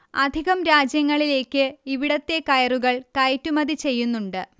അധികം രാജ്യങ്ങളിലേക്ക് ഇവിടത്തെ കയറുകൾ കയറ്റുമതി ചെയ്യുന്നുണ്ട്